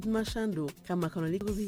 Kuma champ do ka makɔnɔli